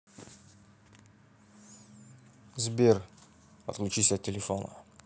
сбер отключись от телефона